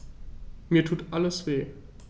Mir tut alles weh.